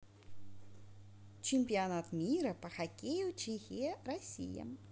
чемпионат мира по хоккею чехия россия